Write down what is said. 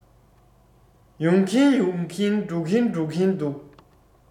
ཡོང གིན ཡོང གིན འགྲོ གིན འགྲོ གིན འདུག